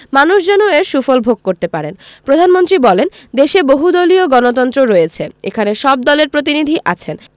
মানুষ যেন এর সুফল ভোগ করতে পারেন প্রধানমন্ত্রী বলেন দেশে বহুদলীয় গণতন্ত্র রয়েছে এখানে সব দলের প্রতিনিধি আছেন